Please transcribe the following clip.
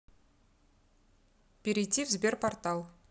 перейти в sberportal